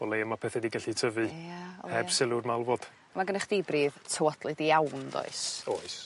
o leia ma' pethe 'di gellu tyfu... Ie o ie. ...heb sylw'r malwod. Ma' gynno chdi bridd tywodlyd iawn does? Oes.